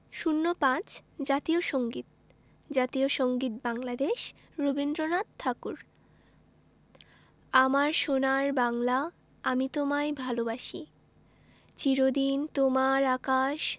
০৫ জাতীয় সংগীত জাতীয় সংগীত বাংলাদেশ রবীন্দ্রনাথ ঠাকুর আমার সোনার বাংলা আমি তোমায় ভালোবাসি চির দিন তোমার আকাশ